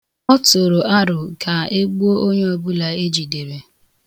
Ọ tụrụ aro ka egbụo onye ọbụla ejidere.